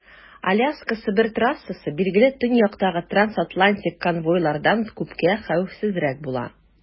Аляска - Себер трассасы, билгеле, төньяктагы трансатлантик конвойлардан күпкә хәвефсезрәк була.